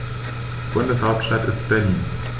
Bundeshauptstadt ist Berlin.